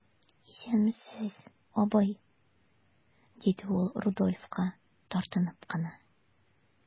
Исәнмесез, абый,– диде ул Рудольфка, тартынып кына.